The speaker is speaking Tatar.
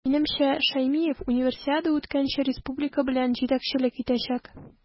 Минемчә, Шәймиев Универсиада үткәнче республика белән җитәкчелек итәчәк.